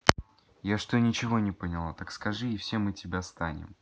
я что ничего не поняла так скажи и все мы тебя станем